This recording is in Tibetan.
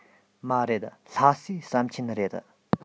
མ རེད ལྷ སའི ཟམ ཆེན རེད